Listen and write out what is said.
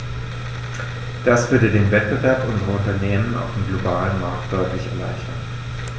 Das würde den Wettbewerb unserer Unternehmen auf dem globalen Markt deutlich erleichtern.